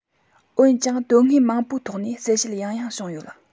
འོན ཀྱང དོན དངོས མང པོའི ཐོག ནས གསལ བཤད ཡང ཡང བྱུང ཡོད